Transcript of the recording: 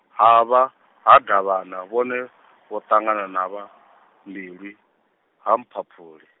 ha vha, ha Davhana vhone vho ṱangana na vha Mbilwi, ha Mphaphuli.